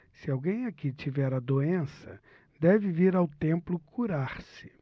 se alguém aqui tiver a doença deve vir ao templo curar-se